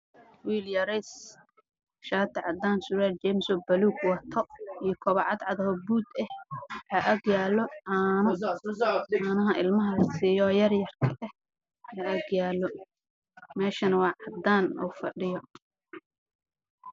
Meeshaan waxaa ka muuqdo wiil yar